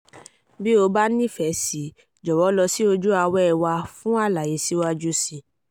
Bí o bá nífẹ̀ẹ́ síi, jọ̀wọ́ lọ sí ojúewé wa fún àlàyé síwájú síi.